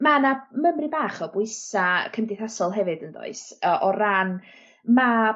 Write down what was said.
Ma' 'na mymryn bach o bwysa' cymdeithasol hefyd yndoes yy o ran ma'